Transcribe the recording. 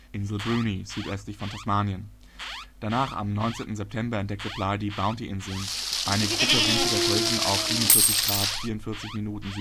Insel Bruni, südöstlich von Tasmanien). Danach, am 19. September, entdeckte Bligh die Bountyinseln, eine Gruppe winziger Felsen auf 47°44’ S, 179°7’ E (südöstlich